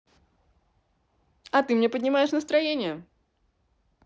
а ты мне поднимаешь настроение